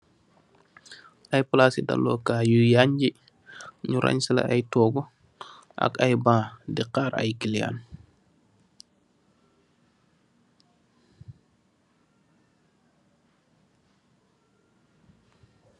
Ay palasi dalu Kai yu yangi, ju ransileh ay toguh ak ay bang di xarr ay kiliyan.